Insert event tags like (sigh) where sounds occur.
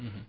(hesitation) (hesitation)